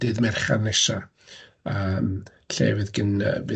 dydd Merchar nesa yym lle fydd gin- yy fydd...